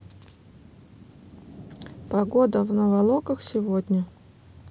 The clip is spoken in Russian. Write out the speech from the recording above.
погода в наволоках на сегодня